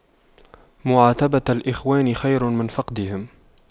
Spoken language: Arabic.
معاتبة الإخوان خير من فقدهم